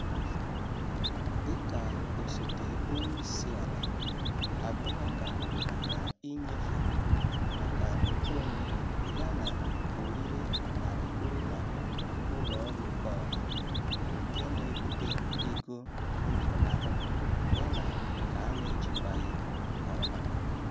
Dị ka osote onyeisiala, Abubakar hụrụ maka inyefe maka nkeonwe yana orire narị kwụrụ narị ụlọ ọrụ keọha nke na-ebute ego mfunahụ ya na nke a na-ejikwaghị nke ọma.